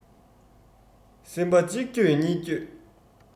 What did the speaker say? སེམས པ གཅིག འགྱོད གཉིས འགྱོད